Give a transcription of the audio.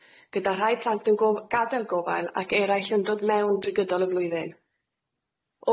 Gyda rhai plant yn go- gadel gofal ac eraill yn dod mewn drwy gydol y flwyddyn.